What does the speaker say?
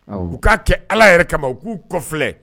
U k ka'a kɛ ala yɛrɛ kama u k'u kɔfilɛ